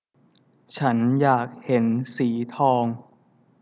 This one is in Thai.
ฉันอยากเห็นสีทอง